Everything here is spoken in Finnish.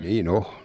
niin on